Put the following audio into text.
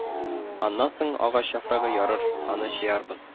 Аннан соң агач яфрак ярыр, аны җыярбыз